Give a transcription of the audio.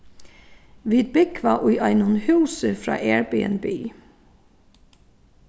vit búgva í einum húsi frá airbnb